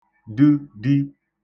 də di